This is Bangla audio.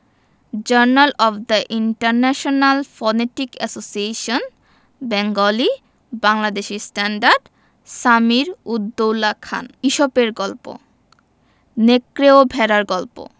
journal of the International Phonetic Association Bengali Bangladeshi standard Samir ud Daula Khan ইসপের গল্প নেকড়ে ও ভেড়ার গল্প